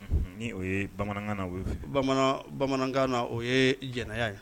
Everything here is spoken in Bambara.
Ni o ye bamanankan na o ye